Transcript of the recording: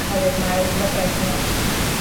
oherwydd mae'r sefyllfa econo-...